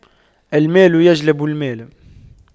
المال يجلب المال